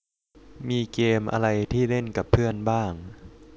มีเกมอะไรที่เล่นกับเพื่อนบ้าง